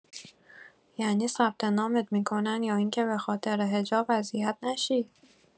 ینی ثبت نامت می‌کنن یا اینکه بخاطر حجاب اذیت نشی؟